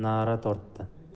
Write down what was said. odam na'ra tortdi